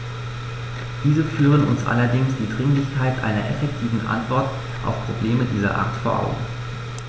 Diese führen uns allerdings die Dringlichkeit einer effektiven Antwort auf Probleme dieser Art vor Augen.